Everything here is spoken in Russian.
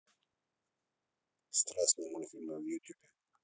страшные мультфильмы в ютубе